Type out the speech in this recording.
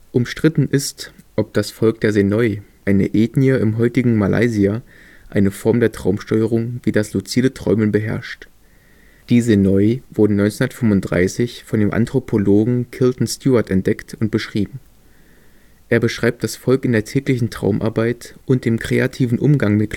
Umstritten ist, ob das Volk der Senoi, eine Ethnie im heutigen Malaysia, eine Form der Traumsteuerung wie das luzide Träumen beherrscht. Die Senoi wurden 1935 von dem Anthropologen Kilton Stewart entdeckt und beschrieben. Er beschreibt das Volk in der täglichen Traumarbeit und dem kreativen Umgang